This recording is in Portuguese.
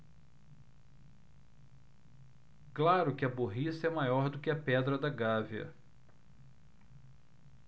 claro que a burrice é maior do que a pedra da gávea